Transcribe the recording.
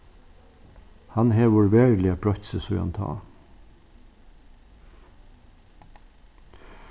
hann hevur veruliga broytt seg síðan tá